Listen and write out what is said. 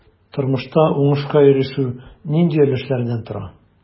Тормышта уңышка ирешү нинди өлешләрдән тора?